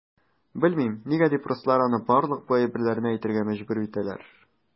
Белмим, нигә дип руслар аны барлык бу әйберләрне әйтергә мәҗбүр итәләр.